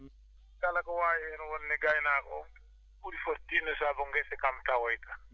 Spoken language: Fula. kala ko waawi heen wonde gaynaako o ɓuri fof tiinno sabu ngese kam tawoytaa